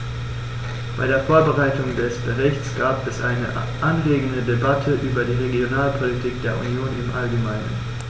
Bei der Vorbereitung des Berichts gab es eine anregende Debatte über die Regionalpolitik der Union im allgemeinen.